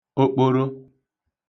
okporụụzọ̀